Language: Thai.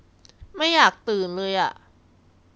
ไม่อยากตื่นเลยอะ